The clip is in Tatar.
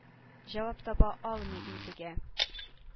Җавап таба алмый интегә.